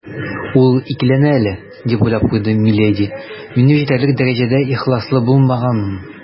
«ул икеләнә әле, - дип уйлап куйды миледи, - минем җитәрлек дәрәҗәдә ихласлы булмаганмын».